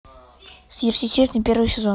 сверхъестественное первый сезон